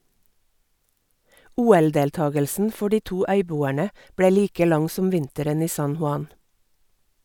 OL-deltagelsen for de to øyboerne ble like lang som vinteren i San Juan.